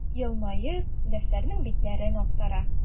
Елмаеп, дәфтәрнең битләрен актара.